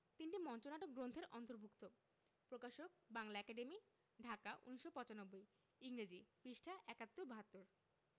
তিনটি মঞ্চনাটক গ্রন্থের অন্তর্ভুক্ত প্রকাশকঃ বাংলা একাডেমী ঢাকা ১৯৯৫ ইংরেজি পৃঃ ৭১ ৭২